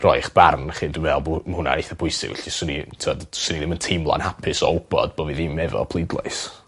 rhoi eich barn chi dwi me'wl bo' ma' hwnna eitha pwysig felly swn i t'wod swn i ddim yn teimlo'n hapus o wbod bo' fi ddim efo pleidlais.